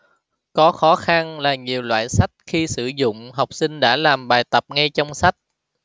có khó khăn là nhiều loại sách khi sử dụng học sinh đã làm bài tập ngay trong sách